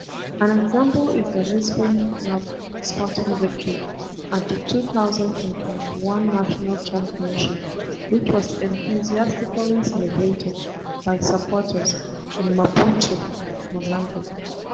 An example is the Lisbon club Sporting victory at the 2021 national championship, which was enthusiastically celebrated by supporters in Maputo (Mozambique).